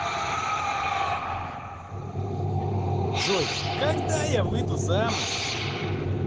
джой когда я выйду замуж